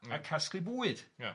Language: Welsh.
a casglu bwyd... Ia.